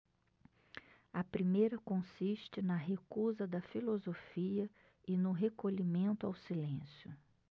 a primeira consiste na recusa da filosofia e no recolhimento ao silêncio